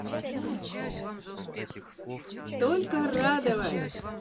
только радовать